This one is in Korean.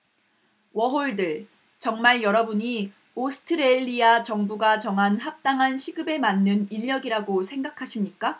워홀들 정말 여러분이 오스트레일리아 정부가 정한 합당한 시급에 맞는 인력이라고 생각하십니까